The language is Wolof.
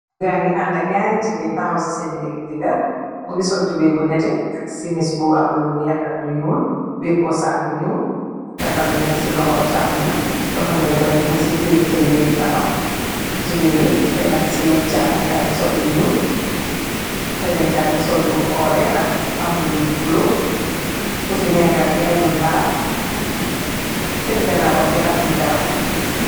Ngey nge àndak ñaari jigéen taxaw ci seen d diga mu ngi sol tubey bu nete ak si mis bu am lu weexak lu ñuul wekko sagg bu ñuul ak takalu nete ci loxo càmmuñam loxo ndee jopbi mun ci teekkeli tabax jigeeni kenn ku ci càmuñka ngi sol lu ñuul kenenka ngi sol lu oore ak am lu bulo ku ci nekangi enu ndaal seen ganawo ngi am i garab.